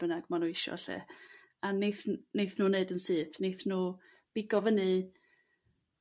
bynnag ma' nhw isio 'lly, a neith n- neith nhw 'neud yn syth neith nhw bigo fyny